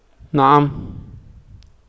نعم